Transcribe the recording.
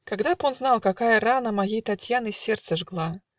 Когда б он знал, какая рана Моей Татьяны сердце жгла!